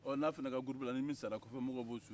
n'aw fana ka kulula ni min sara kɔfɛmɔgɔw b'o su don